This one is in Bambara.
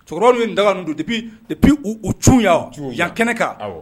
Cɛkɔrɔbaw in daga don u c yan kɛnɛ kan